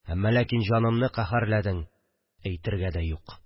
Әммә ликин җанымны каһәрләдең, әйтергә дә юк